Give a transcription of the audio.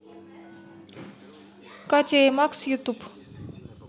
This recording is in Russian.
катя и макс ютуб